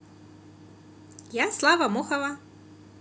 я слава мохова